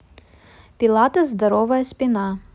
пилатес здоровая спина